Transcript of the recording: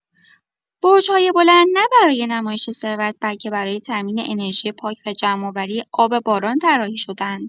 برج‌های بلند نه برای نمایش ثروت، بلکه برای تامین انرژی پاک و جمع‌آوری آب باران طراحی شده‌اند.